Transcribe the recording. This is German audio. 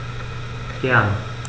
Gern.